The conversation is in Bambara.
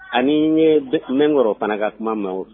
Ani ye n bɛ kɔrɔ fana ka kuma ma.